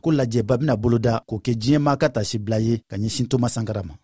k'o lajɛba bɛna boloda k'o kɛ diɲɛmaa ka taasibila ye k'a ɲɛsin toma sankara ma